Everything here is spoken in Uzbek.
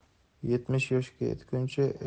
yetmish yoshga yetguncha